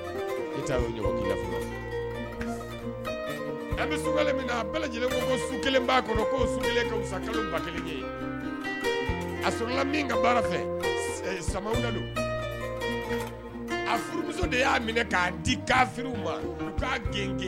Lajɛlen kelen'a ba kelen a min ka baara fɛ sama a furumuso de y'a minɛ k'a di ma gɛn